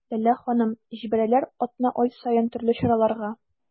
Ләлә ханым: җибәрәләр атна-ай саен төрле чараларга.